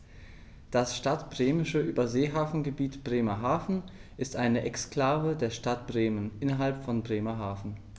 Das Stadtbremische Überseehafengebiet Bremerhaven ist eine Exklave der Stadt Bremen innerhalb von Bremerhaven.